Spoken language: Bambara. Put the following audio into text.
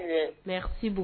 Ɛɛ merci beaucoup